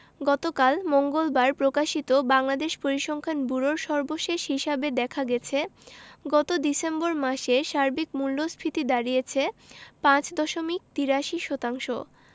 গতকাল মঙ্গলবার প্রকাশিত বাংলাদেশ পরিসংখ্যান ব্যুরোর সর্বশেষ হিসাবে দেখা গেছে গত ডিসেম্বর মাসে সার্বিক মূল্যস্ফীতি দাঁড়িয়েছে ৫ দশমিক ৮৩ শতাংশ